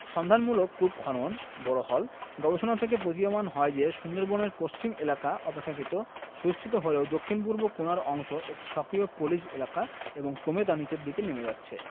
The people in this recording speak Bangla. সন্ধানমূলক কূপ খনন বোরহল গবেষণা থেকে প্রতীয়মান হয় যে সুন্দরবনের পশ্চিম এলাকা অপেক্ষাকৃত সুস্থিত হলেও দক্ষিণ পূর্ব কোণার অংশ একটি সক্রিয় পলিজ এলাকা এবং ক্রমে তা নিচের দিকে নেমে যাচ্ছে